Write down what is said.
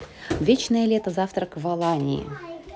вечное лето завтрак в алании